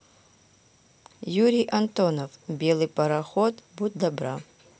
юрий антонов белый пароход будь добра